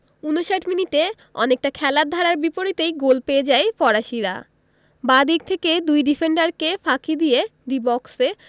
৫৯ মিনিটে অনেকটা খেলার ধারার বিপরীতেই গোল পেয়ে যায় ফরাসিরা বাঁ দিক থেকে দুই ডিফেন্ডারকে ফাঁকি দিয়ে ডি বক্সে